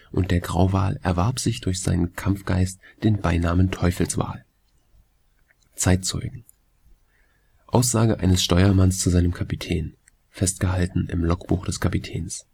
und der Grauwal erwarb sich durch seinen Kampfgeist den Beinamen Teufelswal. Zeitzeugen: Aussage eines Steuermanns zu seinen Kapitän, festgehalten im Logbuch des Kapitäns